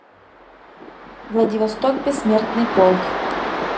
владивосток бессмертный полк